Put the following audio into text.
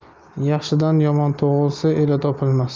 yaxshidan yomon tug'ilsa eli topilmas